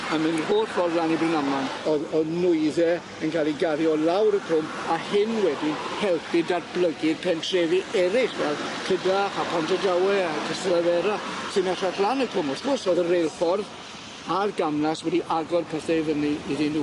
A myn' yr holl ffordd lan i Brynaman o'dd o'dd nwydde yn ca'l 'u gario lawr y cwm a hyn wedi helpu datblygu pentrefi eryll fel Clydach a Pontardawe ac Ystalyfera sy 'mellach lan y cwm wrth gwrs o'dd y reilffordd a'r gamlas wedi agor pethe i fyny iddyn nw.